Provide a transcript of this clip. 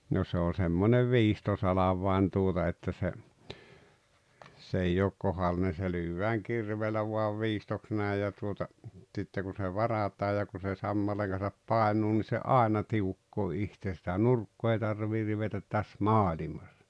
no se on semmoinen viistosalvain tuota että se se ei ole kohdallinen se lyödään kirveellä vain viistoksi näin ja tuota sitten kun se varataan ja kun se sammaleen kanssa painuu niin se aina tiukkaa itse sitä nurkkaa ei tarvitse rivetä tässä maailmassa